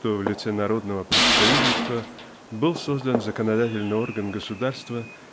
что в лице народного представительства был создан законодательный орган государства